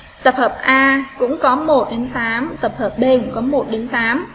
tập hợp a cũng có đến tập hợp b có đến